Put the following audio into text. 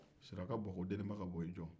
sira ka buwɔ ko deniba ka buwɔ i jɔ